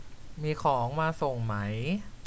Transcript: มีของมาส่งไหม